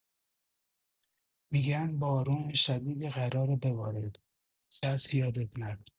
می‌گن بارون شدیدی قراره بباره، چتر یادت نره.